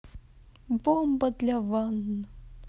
бомба для ван